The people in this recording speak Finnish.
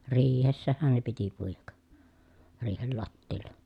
riihessähän ne piti puida riihen lattialla